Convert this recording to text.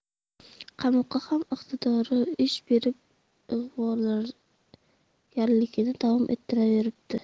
qamoqda ham iqtidori ish berib ig'vogarligini davom ettiraveribdi